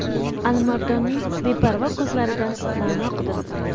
alimardonning beparvo ko'zlaridan ma'no qidirib qoldi